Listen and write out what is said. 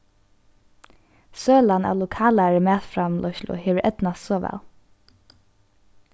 sølan av lokalari matframleiðslu hevur eydnast so væl